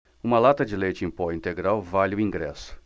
uma lata de leite em pó integral vale um ingresso